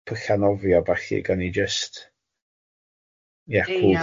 pylla nofio a ballu gawn ni jyst ie cŵl down... Ia.